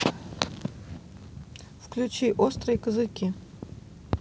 включи острые козырьки